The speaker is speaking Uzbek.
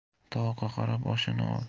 tovoqqa qarab oshini ol